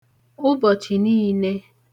ụbọ̀chị̀ niīnē